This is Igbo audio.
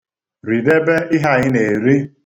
Ridebe ihe a ị na-eri.